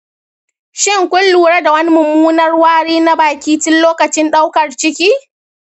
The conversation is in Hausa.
shin kun lura da wani mummunar wari na baki tin lokacin ɗaukar ciki?